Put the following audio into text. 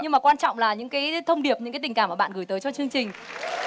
nhưng mà quan trọng là những cái thông điệp những cái tình cảm mà bạn gửi tới cho chương trình